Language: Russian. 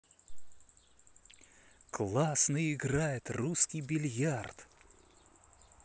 классный играет русский бильярд